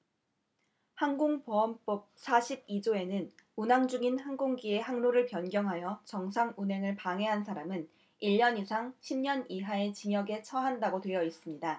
항공보안법 사십 이 조에는 운항중인 항공기의 항로를 변경하여 정상 운항을 방해한 사람은 일 년 이상 십 년 이하의 징역에 처한다고 되어 있습니다